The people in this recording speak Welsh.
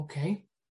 Oce.